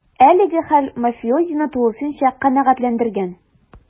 Әлеге хәл мафиозины тулысынча канәгатьләндергән: